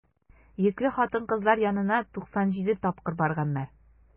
Йөкле хатын-кызлар янына 97 тапкыр барганнар.